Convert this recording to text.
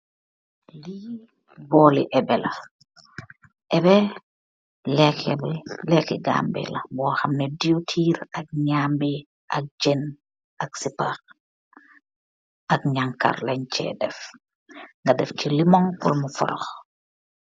Booli ebbeh bo hamneh lehki Gambian la, deff ce nyambi, lu foroh etc.